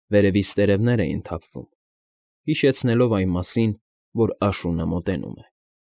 Վերևից տերևներ էին թափվում, հիշեցնելով այն մասին, որ աշունը մոտենում է։